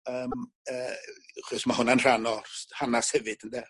Yym yy achos ma' hwnna'n rhan o'r s- hanas hefyd ynde?